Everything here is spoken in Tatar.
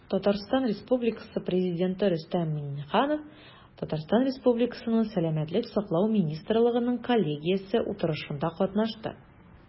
Татарстан Республикасы Президенты Рөстәм Миңнеханов ТР Сәламәтлек саклау министрлыгының коллегиясе утырышында катнашты.